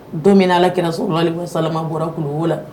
Donmin ala kɛra so sama bɔra kulu wolo la